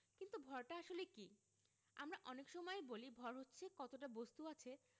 কিন্তু ভরটা আসলে কী আমরা অনেক সময়েই বলি ভর হচ্ছে কতটা বস্তু আছে